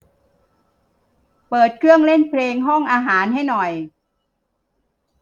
เปิดเครื่องเล่นเพลงห้องอาหารให้หน่อย